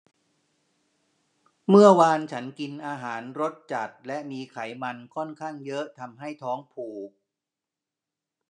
เมื่อวานฉันกินอาหารรสจัดและมีไขมันค่อนข้างเยอะทำให้ท้องผูก